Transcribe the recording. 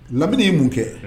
Lamini' mun kɛ